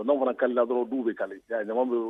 N fana kali la dɔrɔn' bɛ kali